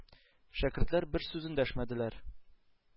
Шәкертләр бер сүз эндәшмәделәр.